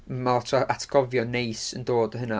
Ma' lot o atgofion neis yn dod o hynna.